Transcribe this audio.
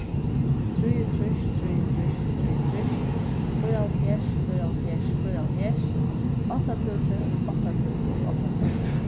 trýogtrýss trýogtrýss trýogtrýss fýraoghálvfjerðs fýraoghálvfjerðs fýraoghálvfjerðs átta túsund átta túsund átta túsund